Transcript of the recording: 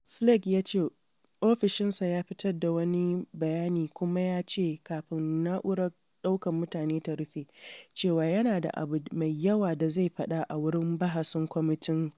Flake ya ce ofishinsa ya fitar da wani bayani kuma ya ce, kafin na’urar ɗaukan mutanen ta rufe, cewa yana da abu mai yawa da zai faɗa a wurin bahasin kwamitin.